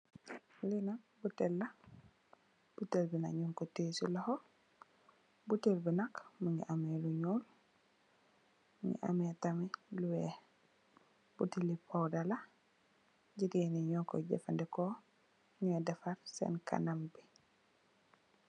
Li nak buteel la, buteel bi nak nung ko tè ci loho, buteel bi nak mungi ameh lu ñuul, mungi ameh tamit lu weeh. buteel li powder la, jigéen nyo koy jafadeko su nyo defar senn kanam yi.